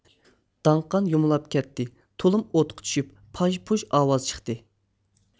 داڭقان يۇمۇلاپ كەتتى تۇلۇم ئوتقا چۈشۈپ پاژ پۇژ ئاۋاز چىقتى